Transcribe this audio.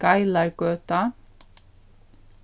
geilargøta